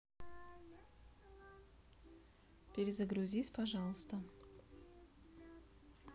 перезагрузись пожалуйста